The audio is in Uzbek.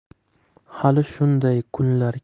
hali shunday kunlar